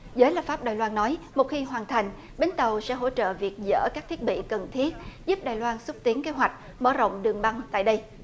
giới lập pháp đài loan nói một khi hoàn thành bến tàu sẽ hỗ trợ việc dỡ các thiết bị cần thiết giúp đài loan xúc tiến kế hoạch mở rộng đường băng tại đây